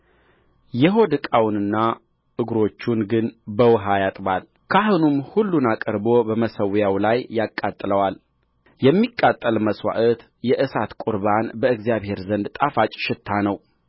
የሆድ ዕቃውንና እግሮቹን ግን በውኃ ያጥባል ካህኑም ሁሉን አቅርቦ በመሠዊያው ላይ ያቃጥለዋል የሚቃጠል መሥዋዕት የእሳት ቍርባን በእግዚአብሔር ዘንድ ጣፋጭ ሽታ ነው